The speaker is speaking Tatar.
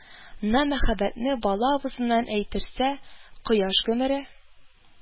На мәхәббәтне бала авызыннан әйттерсә («кояш гомере